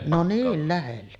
no niin lähelle